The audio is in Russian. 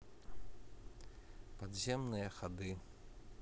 подземные ходы